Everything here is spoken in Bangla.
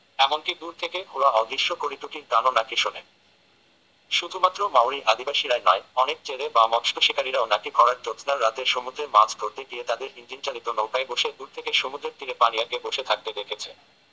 এমনকি দূর থেকে ওরা অদৃশ্য করিটুকির গানও নাকি শোনে শুধুমাত্র মাউরি আদিবাসীরাই নয় অনেক জেলে বা মৎস্যশিকারিরাও নাকি ভরাট জ্যোৎস্নার রাতে সমুদ্রে মাছ ধরতে গিয়ে তাদের ইঞ্জিনচালিত নৌকায় বসে দূর থেকে সমুদ্রের তীরে পানিয়াকে বসে থাকতে দেখেছে